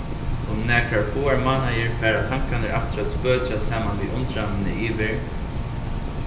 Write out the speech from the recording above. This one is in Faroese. um nakrar fáar mánaðir fara tankarnir aftur at spøkja saman við undranini yvir